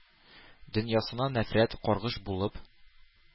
Дөньясына нәфрәт, каргыш булып